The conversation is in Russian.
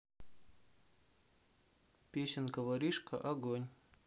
песенка воришка огонь